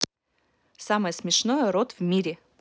самое смешное рот в мире